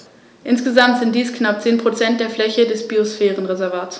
Pergamon wurde durch Erbvertrag zur römischen Provinz.